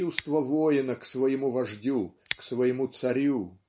чувство воина к своему вождю, к своему царю